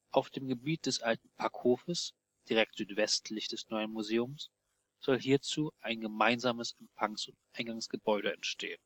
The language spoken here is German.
Auf dem Gebiet des Alten Packhofes, direkt südwestlich des Neuen Museums, soll hierzu ein gemeinsames Empfangs - und Eingangsgebäude entstehen